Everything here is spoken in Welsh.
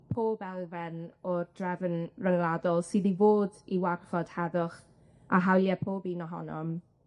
pob elfen o'r drefyn ryngwladol sydd i fod i warchod heddwch a hawlie pob un ohonom,